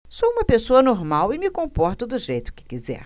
sou homossexual e me comporto do jeito que quiser